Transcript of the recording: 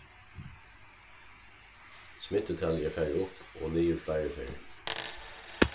smittutalið er farið upp og niður fleiri ferðir